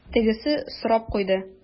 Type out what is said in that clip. Тегесе сорап куйды: